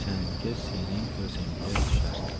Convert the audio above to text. changi sening ko'zingga tushar